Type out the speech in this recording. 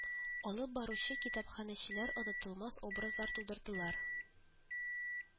Алып баручы китапханәчеләр онытылмас образлар тудырдылар